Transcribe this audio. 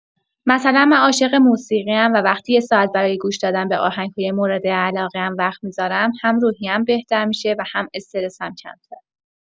مثلا من عاشق موسیقی‌ام و وقتی یه ساعت برای گوش‌دادن به آهنگ‌های موردعلاقه‌ام وقت می‌ذارم، هم روحیه‌ام بهتر می‌شه و هم استرسم کم‌تر.